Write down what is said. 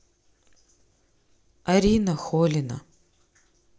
арина холина